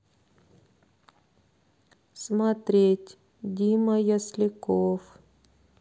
смотреть дима ясликов